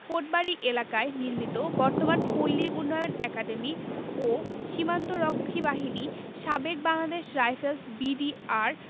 কোটবাড়ি এলাকায় নির্মিত বর্তমান পল্লী উন্নয়ন অ্যাকাডেমি ও সীমান্ত রক্ষী বাহিনী সাবেক বাংলাদেশ রাইফেলস বি.ডি.আর